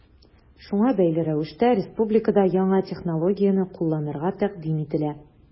Шуңа бәйле рәвештә республикада яңа технологияне кулланырга тәкъдим ителә.